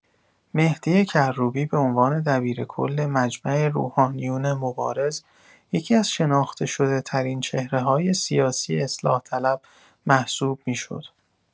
مهدی کروبی به عنوان دبیرکل مجمع روحانیون مبارز، یکی‌از شناخته‌شده‌ترین چهره‌های سیاسی اصلاح‌طلب محسوب می‌شد.